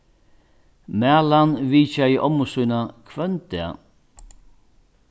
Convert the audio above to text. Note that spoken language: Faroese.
malan vitjaði ommu sína hvønn dag